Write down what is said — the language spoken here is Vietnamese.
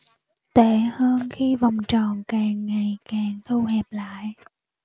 tệ hơn khi vòng tròn càng ngày càng thu hẹp lại